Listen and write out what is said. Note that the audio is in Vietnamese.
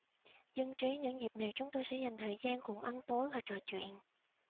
dân trí những dịp này chúng tôi sẽ dành thời gian cùng ăn tối và trò chuyện